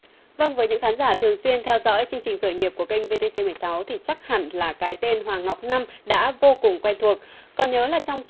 vâng với những khán giả thường xuyên theo dõi chương trình khởi nghiệp của kênh vê tê xê mười sáu thì chắc hẳn là cái tên hoàng ngọc năm đã vô cùng quen thuộc còn nhớ là trong